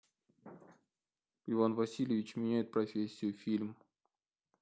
иван васильевич меняет профессию фильм